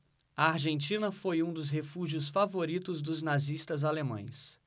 a argentina foi um dos refúgios favoritos dos nazistas alemães